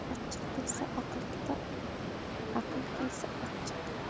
achchiq kelsa aql ketar aql kelsa achchiq